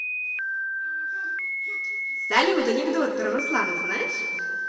салют анекдот про руслана знаешь